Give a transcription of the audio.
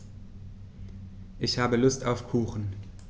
Ich habe Lust auf Kuchen.